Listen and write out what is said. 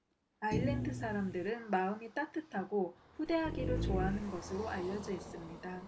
아일랜드 사람들은 마음이 따뜻하고 후대하기를 좋아하는 것으로 알려져 있습니다